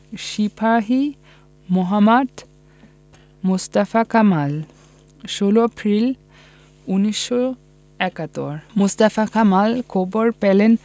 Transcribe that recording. সিপাহি মোহাম্মদ মোস্তফা কামাল ১৬ এপ্রিল ১৯৭১ মোস্তফা কামাল খবর পেলেন